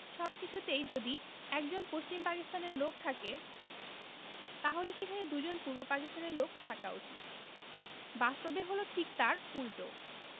সবকিছুতেই যদি একজন পশ্চিম পাকিস্তানের লোক থাকে তাহলে সেখানে দুইজন পূর্ব পাকিস্তানের লোক থাকা উচিত বাস্তবে হলো ঠিক তার উলটো